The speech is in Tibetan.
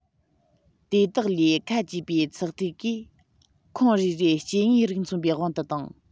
དེ དག ལས ཁ གྱེས པའི ཚེག ཐིག གིས ཁོངས རེ རེའི སྐྱེ དངོས རིགས མཚོན པའི དབང དུ བཏང